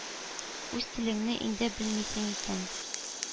Үз телеңне инде белмисең икән,